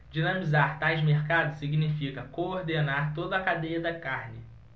dinamizar tais mercados significa coordenar toda a cadeia da carne